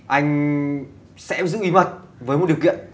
anh sẽ giữ bí mật với một điều kiện